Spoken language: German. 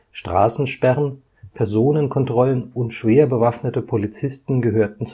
Straßensperren, Personenkontrollen und schwer bewaffnete Polizisten gehörten